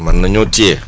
mën nañoo téye